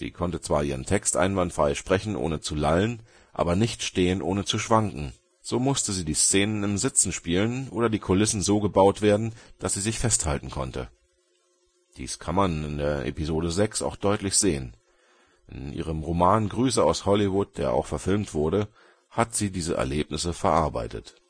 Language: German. konnte zwar ihren Text einwandfrei sprechen ohne zu lallen, aber nicht stehen ohne zu schwanken. So musste sie die Szenen im Sitzen spielen oder die Kulissen so gebaut werden, dass sie sich festhalten konnte. Dies kann man in der Episode VI auch deutlich sehen. In ihrem Roman Grüße aus Hollywood, der auch verfilmt wurde, hat sie diese Erlebnisse verarbeitet